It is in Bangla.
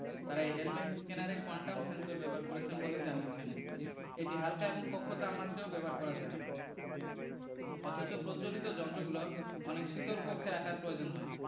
তারা এই হেলমেট স্ক্যানারে কোয়ান্টাম সেন্সর ব্যবহার করেছেন বলে জানিয়েছেন এটি হাল্কা এবং কক্ষ তাপমাত্রায় ব্যবহার করা যায় অথচ প্রচলিত যন্ত্রগুলো অনেক শীতল কক্ষে রাখার প্রয়োজন হয়